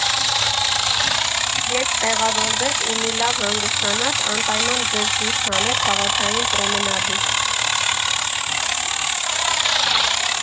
Երբ տեղավորվեք ու մի լավ հանգստանաք, անպայման ձեզ դուրս հանեք քաղաքային պրոմենադի։